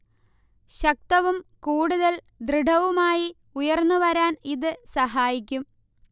ശക്തവും കൂടുതൽ ദൃഡവുമായി ഉയർന്നു വരാൻ ഇത് സഹായിക്കും